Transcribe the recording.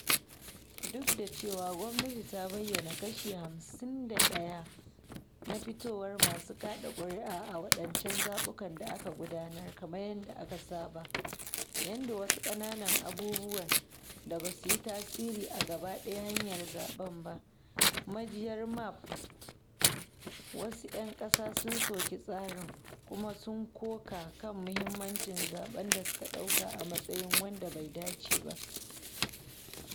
Duk da cewa gwamnati ta bayyana “kashi 51% na fitowar masu kaɗa ƙuri’a a waɗancan zaɓukan da aka gudanar kamar yadda aka saba, banda wasu ƙananan abubuwan da ba su yi tasiri a gaba ɗaya hanyar zaɓen ba” (majiya: MAP), wasu 'yan ƙasa sun soki tsarin kuma sun koka kan muhimmancin zaɓen da suka ɗauka a matsayin wanda bai dace ba.